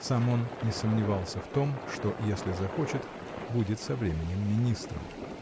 сам он не сомневался в том, что, если захочет, будет со временем министром.